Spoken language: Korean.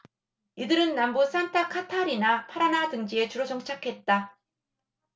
이들은 남부 산타카타리나 파라나 등지에 주로 정착했다